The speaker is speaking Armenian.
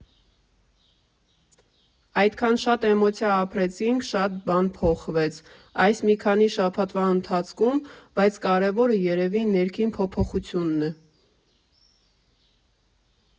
Այդքան շատ էմոցիա ապրեցինք, շատ բան փոխվեց այս մի քանի շաբաթվա ընթացքում, բայց կարևորը երևի ներքին փոփոխությունն է։